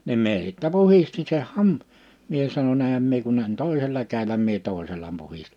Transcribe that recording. niin minä sitten puhdistin sen - minä sanoin enhän minä kun en toisella kädelläni minä toisella puhdistin